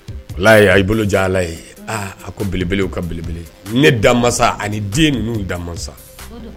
Wallhi ay'i bolo jan allah ye a ko belebelew ka belebele, ne danmasa ani den ninnu danmasa